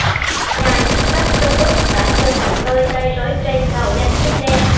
nhà chức trách trung quốc đã đưa cặp đôi gây rối trên vào danh sách đen